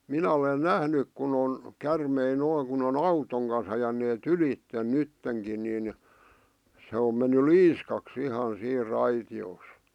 minä olen nähnyt kun on käärmeitä noin kun on auton kanssa ajaneet ylitse nyttenkin niin se on mennyt liiskaksi ihan siinä raitiossa